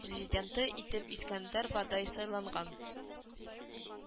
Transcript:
Президенты итеп искәндәр бадай сайланган